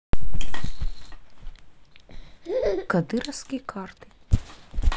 кадыровский картой